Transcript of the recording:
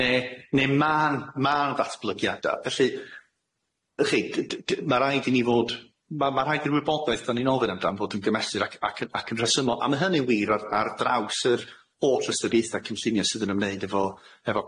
Ne' ne' ma'n ma'n ddatblygiada felly y' chi d- d- ma' raid i ni fod ma' ma' rhaid i'r wybodaeth da ni'n ofyn amdan fod yn gymesur ac ac yn ac yn rhesymol a ma' hynny'n wir ar ar draws yr o trystadeitha cynllunia sydd yn ymwneud efo efo